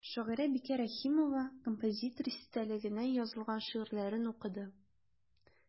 Шагыйрә Бикә Рәхимова композитор истәлегенә язылган шигырьләрен укыды.